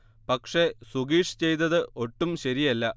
പക്ഷേ സുഗീഷ് ചെയ്തത് ഒട്ടും ശരിയല്ല